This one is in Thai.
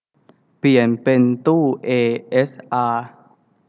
เปลี่ยนเป็นตู้เอเอสอา